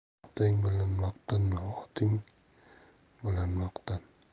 otang bilan maqtanma oting bilan maqtan